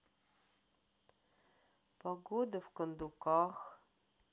погода в кондуках